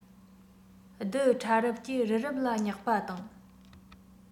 རྡུལ ཕྲ རབ ཀྱིས རི རབ ལ བསྙེགས པ དང